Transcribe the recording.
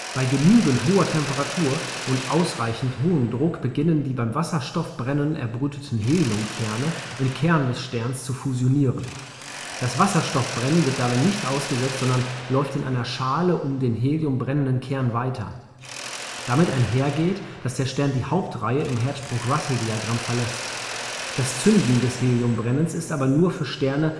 Bei genügend hoher Temperatur und ausreichend hohem Druck beginnen die beim Wasserstoffbrennen erbrüteten Heliumkerne im Kern des Sterns zu fusionieren. Das Wasserstoffbrennen wird dabei nicht ausgesetzt, sondern läuft in einer Schale um den Helium brennenden Kern weiter. Damit einher geht, dass der Stern die Hauptreihe im Hertzsprung-Russell-Diagramm verlässt. Das Zünden des Heliumbrennens ist aber nur für Sterne